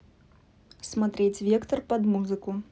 смотреть вектор под музыку